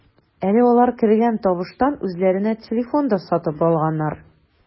Әле алар кергән табыштан үзләренә телефон да сатып алганнар.